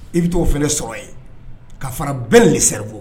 I bɛ taa' o fana sɔrɔ ye ka fara bɛɛ de seriku